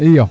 iyo